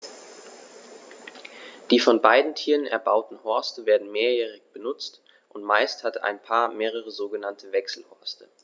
Die von beiden Tieren erbauten Horste werden mehrjährig benutzt, und meist hat ein Paar mehrere sogenannte Wechselhorste.